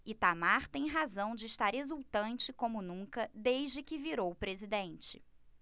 itamar tem razão de estar exultante como nunca desde que virou presidente